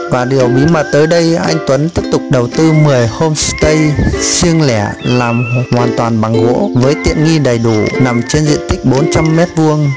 và điều bí mật tới đây anh tuấn tiếp tục đầu tư homestay riêng lẻ làm hoàn toàn bằng gỗ với tiện nghi đầy đủ nằm trên diện tích m